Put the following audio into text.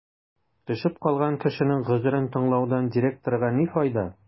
Төшеп калган кешенең гозерен тыңлаудан директорга ни файда?